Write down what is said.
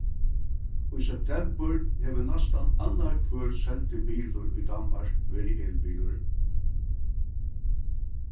í septembur hevur næstan annar hvør seldi bilur í danmark verið elbilur